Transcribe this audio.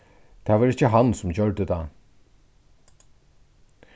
tað var ikki hann sum gjørdi tað